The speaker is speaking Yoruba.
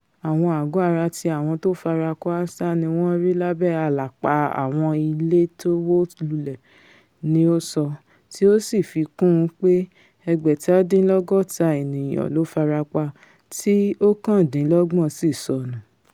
Àwọn àgọ́-ara ti àwọn tó farakó-áásá niwọ́n rí lábẹ́ àlàpà àwọn ilé tówó lulẹ̀, ní ó sọ, tí ó sì fi kún un pé ẹgbẹ̀tadínlọ́gọ́tá ènìyàn ló farapa tí ọ̀kaǹdińlọ́gbọ̀n sì ṣọnù.